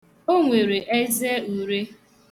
O nwere eze ure.